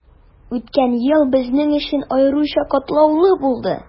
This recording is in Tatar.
Үткән ел безнең өчен аеруча катлаулы булды.